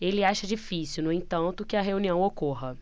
ele acha difícil no entanto que a reunião ocorra